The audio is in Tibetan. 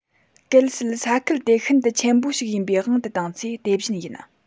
གལ སྲིད ས ཁུལ དེ ཤིན ཏུ ཆེན པོ ཞིག ཡིན པའི དབང དུ བཏང ཚེ དེ བཞིན ཡིན